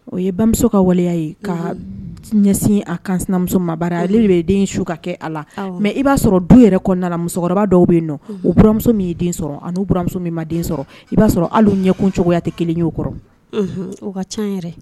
O ye bamuso ka waleya ye ka ɲɛsin a kan sinamuso ma bari ale de ye den su ka kɛ a la mais- i b'a sɔrɔ du yɛrɛ kɔnɔna musokɔrɔba dɔw bɛ yen o buranmuso min ye den sɔrɔ ani u buranmuso min ma den sɔrɔ i b'a sɔrɔ hali ɲɛkun cogoyaya tɛ kelen y'o kɔrɔ, unhun, o ka caa yɛrɛ.